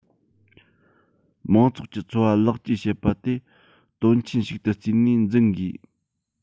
མང ཚོགས ཀྱི འཚོ བ ལེགས བཅོས བྱེད པ དེ དོན ཆེན ཞིག ཏུ བརྩིས ནས འཛིན དགོས